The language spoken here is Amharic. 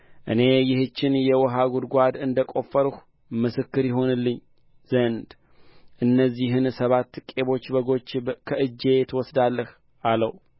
እኔ ይህችን የውኃ ጕድጓድ እንደቆፈርሁ ምስክር ይሆንልኝ ዘንድ እነዚህን ሰባት ቄቦች በጎች ከእጄ ትወስዳለህ አለው